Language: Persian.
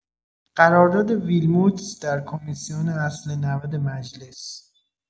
قرارداد ویلموتس در کمیسیون اصل ۹۰ مجلس